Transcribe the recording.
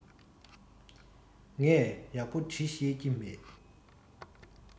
ངས ཡག པོ འབྲི ཤེས ཀྱི མེད